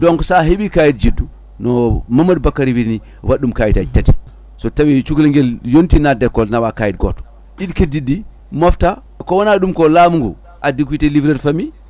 donc sa heeɓi kayit juddu no Mamadou Bakary wini waɗɗum kayitaji tati so tawi cukalel guel yonti nande école nawa kayit goto ɗiɗi keddiɗiɗi mofta kowona ɗum ko laamu ngu addi ko wiyete livret de famille